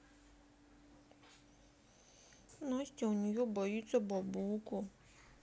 настя у нее боится бабуку